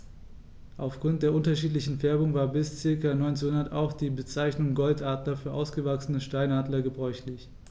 Auf Grund der unterschiedlichen Färbung war bis ca. 1900 auch die Bezeichnung Goldadler für ausgewachsene Steinadler gebräuchlich.